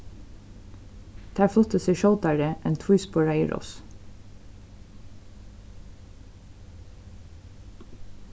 tær fluttu seg skjótari enn tvísporaði ross